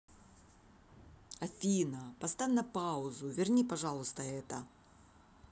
афина поставь на паузу верни пожалуйста это